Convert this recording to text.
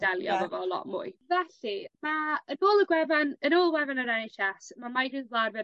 ...delio efo fo lot mwy. Felly ma' yn ôl y gwefan yn ôl wefan yr En Haitch Es ma' migraines fel arfer